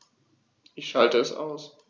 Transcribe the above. Ich schalte es aus.